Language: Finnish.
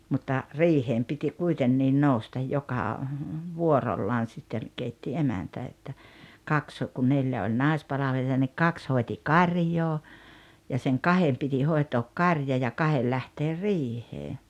mutta riiheen piti kuitenkin nousta joka vuorollaan sitten keitti emäntä että kaksi kun neljä oli naispalvelijaa niin kaksi hoiti karjaa ja sen kahden piti hoitaa karja ja kahden lähteä riiheen